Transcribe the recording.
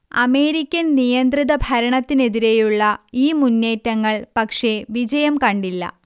അമേരിക്കൻനിയന്ത്രിത ഭരണത്തിനെതിരെയുള്ള ഈ മുന്നേറ്റങ്ങൾ പക്ഷേ വിജയം കണ്ടില്ല